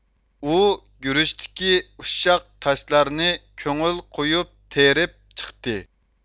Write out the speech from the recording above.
ئۇ گۈرۈچتىكى ئۇششاق تاشلارنى كۆڭۈل قويۇپ تېرىپ چىقتى